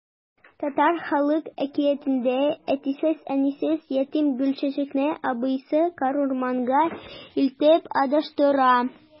Татар халык әкиятендә әтисез-әнисез ятим Гөлчәчәкне абыйсы карурманга илтеп адаштыра.